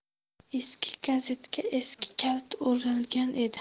eski gazitga eski kalish o'ralgan edi